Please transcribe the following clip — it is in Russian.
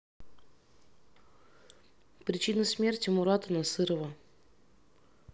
причина смерти мурата насырова